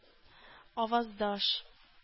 Аваздаш